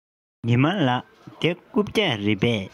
ཉི མ ལགས འདི རྐུབ བཀྱག རེད པས